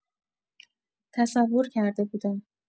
تصور کرده بودم.